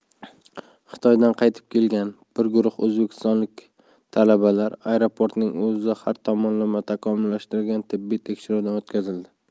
xitoydan qaytib kelgan bir guruh o'zbekistonlik talabalar aeroportning o'zida har tomonlama takomillashtirilgan tibbiy tekshiruvdan o'tkazildi